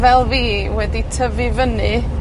fel fi, wedi tyfu fyny...